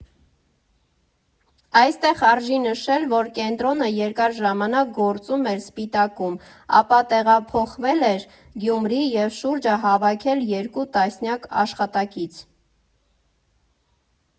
Այստեղ արժի նշել, որ կենտրոնը երկար ժամանակ գործում էր Սպիտակում, ապա տեղափոխվել էր Գյումրի և շուրջը հավաքել երկու տասնյակ աշխատակից։